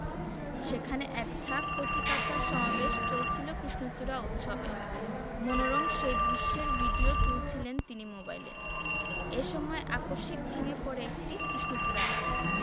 সেখানে এক ঝাঁক কচিকাঁচার সমাবেশ চলছিল কৃষ্ণচূড়া উৎসবে মনোরম সেই দৃশ্যের ভিডিও তুলছিলেন তিনি মোবাইলে এ সময় আকস্মিক ভেঙ্গে পড়ে একটি কৃষ্ণচূড়া গাছ